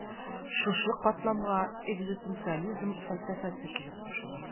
Шушы катламга экзистенциализм фәлсәфәсе килеп кушыла.